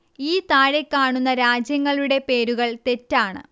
ഈ താഴെ കാണുന്ന രാജ്യങ്ങളുടെ പേരുകൾ തെറ്റാണ്